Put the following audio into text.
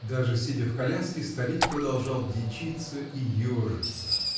Даже сидя в коляске, старик продолжал дичиться и ежиться